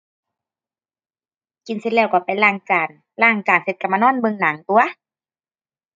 กินเสร็จแล้วก็ไปล้างจาน ล้างจานเสร็จก็มานอนเบิ่งหนังตั่ว